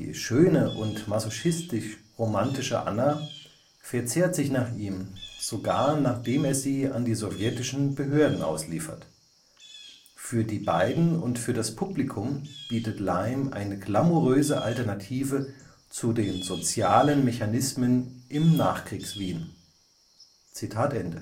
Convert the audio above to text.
schöne und masochistisch-romantische Anna […] verzehrt sich nach ihm, sogar nachdem er sie an die sowjetischen Behörden ausliefert. Für die beiden und für das Publikum bietet Lime eine glamouröse Alternative zu den sozialen Mechanismen im Nachkriegs-Wien. “Selbst